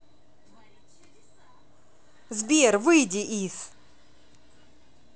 сбер выйди из